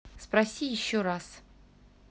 спроси еще раз